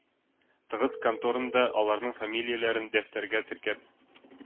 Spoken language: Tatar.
Тыгыз конторында, аларның фамилияләрен дәфтәргә теркәп,